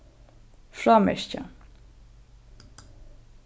frámerkja